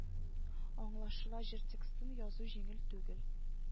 Аңлашыла җыр текстын язу җиңел түгел